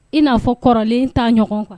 I n'a fɔ kɔrɔlen t' ɲɔgɔn kan